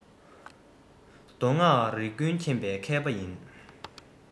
མདོ སྔགས རིག ཀུན མཁྱེན པའི མཁས པ ཡིན